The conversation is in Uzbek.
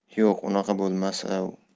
yo'q unaqa bo'lamas u